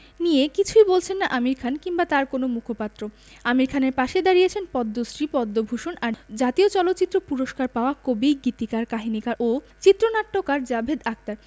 নিয়ে কিছুই বলছেন না আমির খান কিংবা তাঁর কোনো মুখপাত্র আমির খানের পাশে দাঁড়িয়েছেন পদ্মশ্রী পদ্মভূষণ আর জাতীয় চলচ্চিত্র পুরস্কার পাওয়া কবি গীতিকার কাহিনিকার ও চিত্রনাট্যকার জাভেদ আখতার